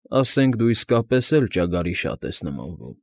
Ասենք դու իսկապես էլ ճագարի շատ ես նմանվում։